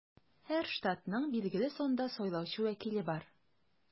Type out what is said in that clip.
Һәр штатның билгеле санда сайлаучы вәкиле бар.